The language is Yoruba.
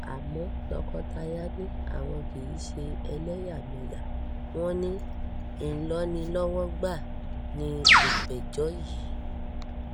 Àmọ́ tọkọtaya ni àwọn kì í ṣe ẹlẹ́yàmẹyà. Wọn ní “ìlónilọ́wọ́gbà” ni ìpẹ́jọ yí.